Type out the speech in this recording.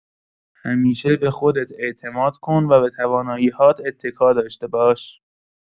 همیشه به خودت اعتماد کن و به توانایی‌هات اتکا داشته باش.